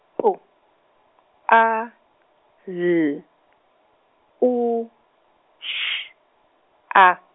P A L U X A.